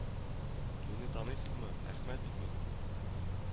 Мине таныйсызмы, Әхмәт бит мин